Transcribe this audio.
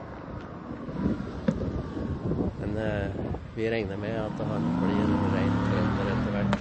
Men vi regner med at han blir rein trønder etter hvert.